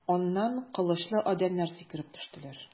Аннан кылычлы адәмнәр сикереп төштеләр.